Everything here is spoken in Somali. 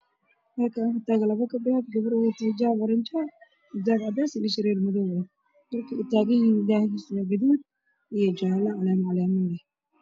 Waa labo gabdhood